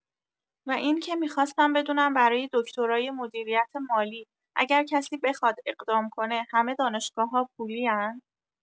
و این که می‌خواستم بدونم برای دکترای مدیریت مالی اگر کسی بخواد اقدام کنه همه دانشگاه‌‌ها پولین؟